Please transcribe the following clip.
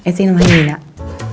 em sinh năm hai nghìn ạ